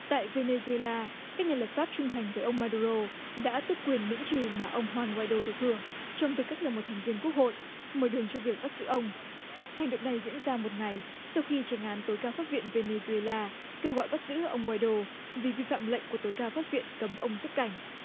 tại vê nê zu ê la các nhà lập pháp trung thành với ông ma đu rô đã tước quyền miễn trừ mà ông hoan goai đô được hưởng trong tư cách là một thành viên quốc hội mở đường cho việc bắt giữ ông hành động này diễn ra một ngày sau khi chánh án tối cao pháp viện vê nê zu ê la kêu gọi bắt giữ ông goai đô vì vi phạm lệnh của tối cao pháp viện cấm ông xuất cảnh